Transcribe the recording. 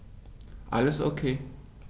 Alles OK.